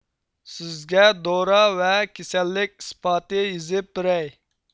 سىزگە دورا ۋە كېسەللىك ئىسپاتى يېزىپ بېرەي